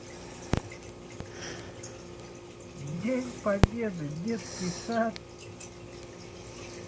день победы детский сад